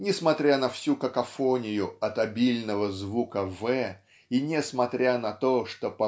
-- несмотря на всю какофонию от обильного звука "в" и несмотря на то что